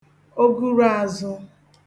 oguruāzụ̄